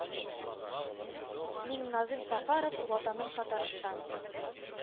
Миңназыйм Сәфәров, “Ватаным Татарстан”